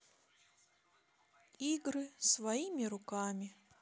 игры своими руками